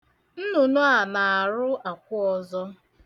Nnụnụ a na-arụ akwụ ọzọ.